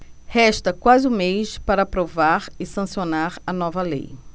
resta quase um mês para aprovar e sancionar a nova lei